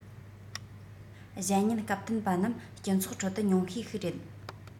གཞན ཉེན སྐབས བསྟུན པ རྣམས སྤྱི ཚོགས ཁྲོད དུ ཉུང ཤས ཤིག རེད